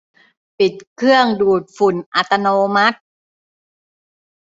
ปิดเครื่องดูดฝุ่นอัตโนมัติ